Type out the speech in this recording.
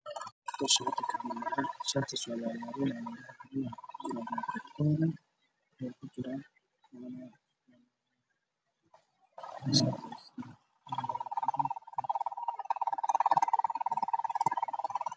Halkaan waxaa ka muuqdo shaati ku dhex jiro box ka lagu keenay shaatigana waa cagaar